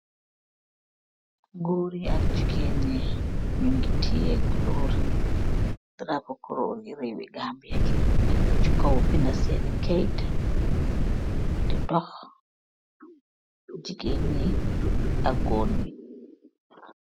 Goori ak jigeeni, nyewgeih tiyeah kuloori darapo rehwii Gambia bi ajj ko ce gawwu binda sen kehyeett didouh.